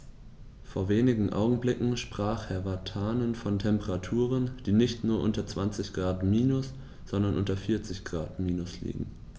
Vor wenigen Augenblicken sprach Herr Vatanen von Temperaturen, die nicht nur unter 20 Grad minus, sondern unter 40 Grad minus liegen.